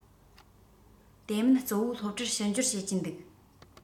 དེ མིན གཙོ བོ སློབ གྲྭར ཕྱི འབྱོར བྱེད ཀྱིན འདུག